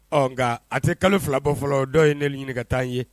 Ɔ nka a tɛ kalo 2 bɔ fɔlɔ dɔw ye ne ɲini ka taa n ye